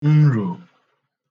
nrò